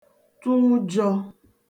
-tụ ụjọ